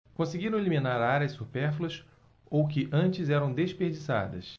conseguiram eliminar áreas supérfluas ou que antes eram desperdiçadas